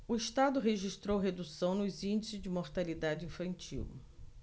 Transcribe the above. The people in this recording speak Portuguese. o estado registrou redução nos índices de mortalidade infantil